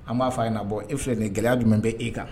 An b'a fɔ a ye na bɔ e filɛ nin gɛlɛya jumɛn bɛ e kan